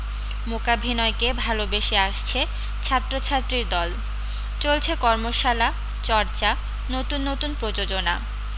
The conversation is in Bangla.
মূকাভিনয়কে ভালবেসে আসছে ছাত্রছাত্রীর দল চলছে কর্মশালা চর্চা নতুন নতুন প্রযোজনা